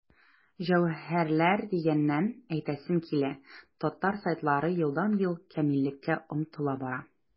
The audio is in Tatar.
Җәүһәрләр дигәннән, әйтәсем килә, татар сайтлары елдан-ел камиллеккә омтыла бара.